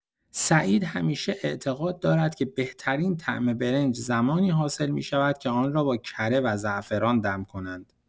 سعید همیشه اعتقاد دارد که بهترین طعم برنج زمانی حاصل می‌شود که آن را با کره و زعفران دم کنند.